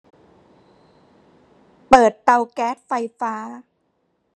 เปิดเตาแก๊สไฟฟ้า